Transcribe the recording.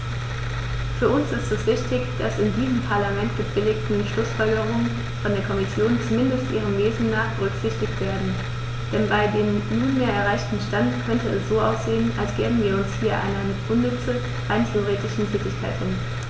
Für uns ist es wichtig, dass die in diesem Parlament gebilligten Schlußfolgerungen von der Kommission, zumindest ihrem Wesen nach, berücksichtigt werden, denn bei dem nunmehr erreichten Stand könnte es so aussehen, als gäben wir uns hier einer unnütze, rein rhetorischen Tätigkeit hin.